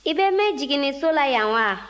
i bɛ mɛn jiginniso la yan wa